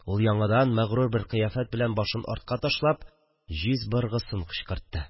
Ул яңадан, магрур бер кыяфәт белән башын артка ташлап, җиз быргысын кычкыртты